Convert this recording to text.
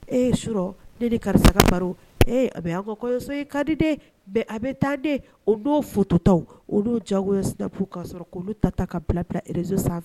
E suurɔ ne de karisaka ee a bɛ'kɔyɔso kadiden a bɛ taaden olu fututa olu jagodap k'a sɔrɔ olu ta ta ka bila bila rez sanfɛ